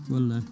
wallahi